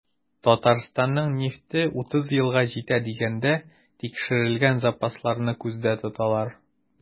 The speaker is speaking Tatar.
Татарстанның нефте 30 елга җитә дигәндә, тикшерелгән запасларны күздә тоталар.